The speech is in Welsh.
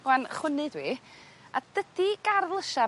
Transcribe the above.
Rŵan chwnnu dw i a dydi gardd lysia...